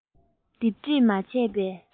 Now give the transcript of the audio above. སྡེབ བསྒྲིགས མ བྱས པའི